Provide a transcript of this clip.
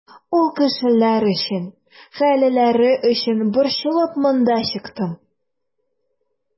Ул кешеләр өчен, гаиләләре өчен борчылып монда чыктым.